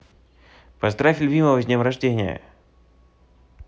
поздравь любимова с днем рождения